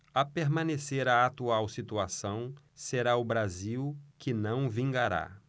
a permanecer a atual situação será o brasil que não vingará